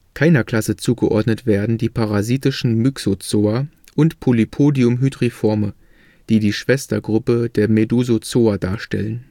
keiner Klasse zugeordnet werden die parasitischen Myxozoa und Polypodium hydriforme, die die Schwestergruppe der Medusozoa darstellen